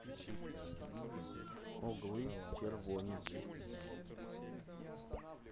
оглы червоня